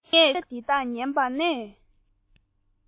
ངས ཁོའི སྐད ཆ འདི དག ཉན པ ནས